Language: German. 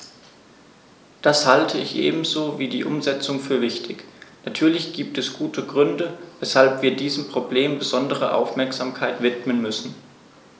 Das halte ich ebenso wie die Umsetzung für wichtig. Natürlich gibt es gute Gründe, weshalb wir diesem Problem besondere Aufmerksamkeit widmen müssen.